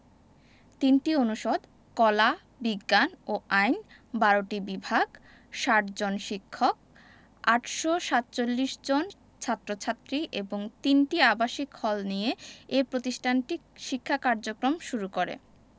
৩টি অনুষদ কলা বিজ্ঞান ও আইন ১২টি বিভাগ ৬০ জন শিক্ষক ৮৪৭ জন ছাত্র ছাত্রী এবং ৩টি আবাসিক হল নিয়ে এ প্রতিষ্ঠানটি শিক্ষা কার্যক্রম শুরু করে